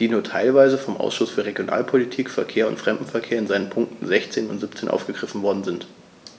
die nur teilweise vom Ausschuss für Regionalpolitik, Verkehr und Fremdenverkehr in seinen Punkten 16 und 17 aufgegriffen worden sind.